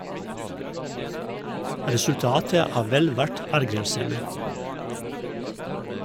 Resultatet er vel verdt ergrelsene.